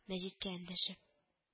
Мәҗиткә эндәшеп: